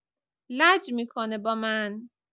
لج می‌کنه با من!